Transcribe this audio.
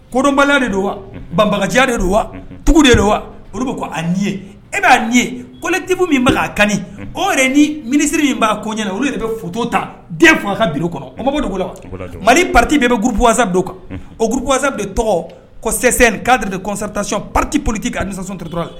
Kodɔnbaliya de don wa banbajɛya de don wa tugu de don wa olu bɛ a nin ye e b'a ye kolɛtibo min'a kan o ni minisiriri min b'a ko ɲɛ olu de bɛ fu ta den kun a ka biri kɔnɔ o dugu wa mali pati bɛ bɛ gupwasa don kan o gpwasa bɛ tɔgɔ kɔsɛ k'a de kɔsɔtac patioliki k kaa ni nisɔnsɔnretura la